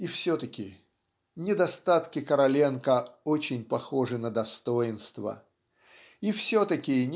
И все-таки недостатки Короленко очень похожи на достоинства и все-таки